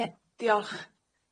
Ie diolch.